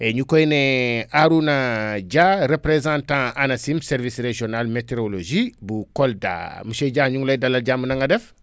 et ñu koy ne Arouna Dia représentant Anacim service régional bu météorologie bu Kolda monsieur Dia ñu ngi lay dala jàmm na nga def